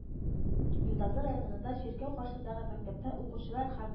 Ютазы районынында чиркәү каршындагы мәктәптә укучылар